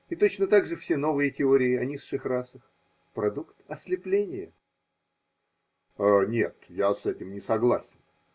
И точно так же все новые теории о низших расах – продукт ослепления. – Нет, я с этим не согласен.